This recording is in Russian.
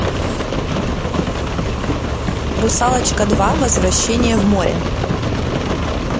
русалочка два возвращение в море